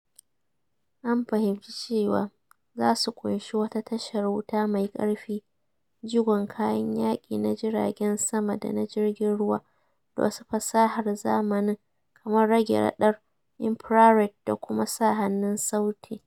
An fahimci cewa za su ƙunshi wata tashar wuta mai karfi, jigon kayan yaki na jiragen sama da na jirgin ruwa da wasu fasahar zamani, kamar rage radar, infrared da kuma sa hannun sauti.